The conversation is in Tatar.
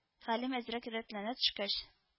Хәлем әзрәк рәтләнә төшкәч